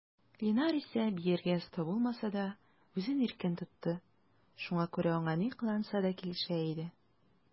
Линар исә, биергә оста булмаса да, үзен иркен тотты, шуңа күрә аңа ни кыланса да килешә иде.